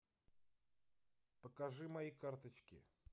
покажи мои карточки